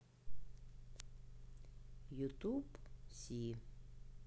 ютуб си